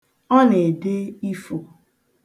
Ọ na-ede ifo.